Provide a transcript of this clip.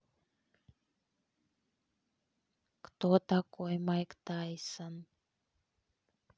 кто такой майк тайсон